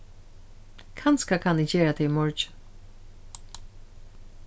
kanska kann eg gera tað í morgin